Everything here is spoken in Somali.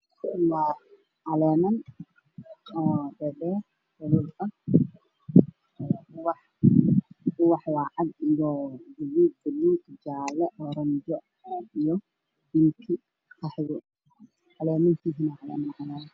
Waa caleemo ubax dhaadheer midabkiisii hay-addahaan meesha uu saaran yahay waa maro cadaan